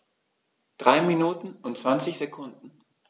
3 Minuten und 20 Sekunden